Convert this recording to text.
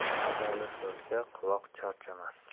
mazali so'zga quloq charchamas